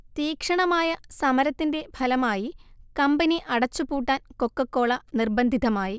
തീക്ഷണമായ സമരത്തിന്റെ ഫലമായി കമ്പനി അടച്ചുപൂട്ടാൻ കൊക്കക്കോള നിർബന്ധിതമായി